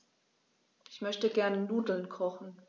Ich möchte gerne Nudeln kochen.